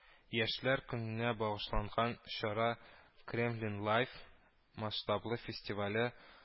Яшьләр көненә багышланган чара “Кремлин лайв” масштаблы фестивале